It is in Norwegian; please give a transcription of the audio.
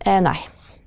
nei.